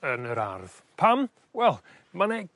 yn yr ardd. Pam? Wel ma' 'ne